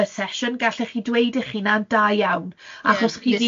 y session gallech chi dweud eich hunan da iawn, achos... Ie, 'nes